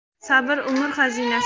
sabr umr xazinasi